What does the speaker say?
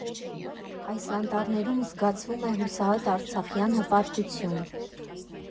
Այս անտառներում զգացվում է հուսահատ արցախյան հպարտություն։